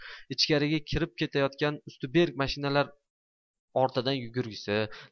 ichkariga kirib ketayotgan usti berk mashinalar ortidan yugurgisi